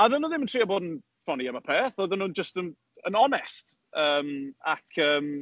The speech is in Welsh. A oeddan nhw ddim yn trio bod yn ffyni am y peth, oeddan nhw'n jyst yn yn onest. Yym, ac yym...